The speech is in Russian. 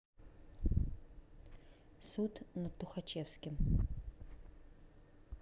суд над тухачевским